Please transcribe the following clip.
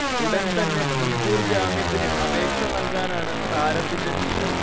ഉടൻ തന്നെ മുൻകൂർ ജാമ്യത്തിന് അപേക്ഷ നൽകാനാണ് താരത്തിന്റെ നീക്കം